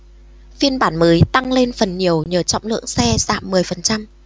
phiên bản mới tăng lên phần nhiều nhờ trọng lượng xe giảm mười phần trăm